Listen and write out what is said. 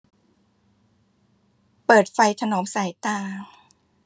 เปิดไฟถนอมสายตา